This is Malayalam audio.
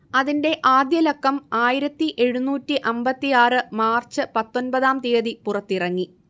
അതിന്റെ ആദ്യലക്കം ആയിരത്തിയെഴുന്നൂറ്റി അമ്പത്തിയാറ് മാർച്ച് പത്തൊൻപതാം തിയതി പുറത്തിറങ്ങി